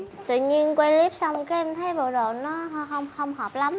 tự nhiên quay líp xong cái em thấy cái bộ đồ nó hông hông hợp lắm